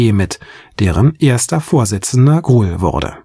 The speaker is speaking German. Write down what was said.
mit, deren erste Vorsitzender Gruhl wurde